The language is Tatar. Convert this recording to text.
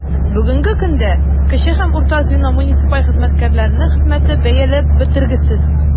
Бүгенге көндә кече һәм урта звено муниципаль хезмәткәрләренең хезмәте бәяләп бетергесез.